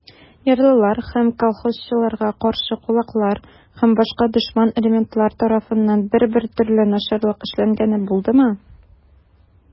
Ярлылар һәм колхозчыларга каршы кулаклар һәм башка дошман элементлар тарафыннан бер-бер төрле начарлык эшләнгәне булдымы?